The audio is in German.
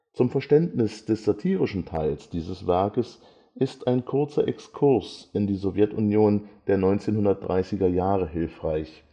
Zum Verständnis des satirischen Teils dieses Werkes ist ein kurzer Exkurs in die Sowjetunion der 1930er Jahre hilfreich